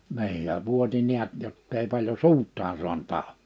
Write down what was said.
niin ja vuoti näet jotta ei paljon suutaan saanut auki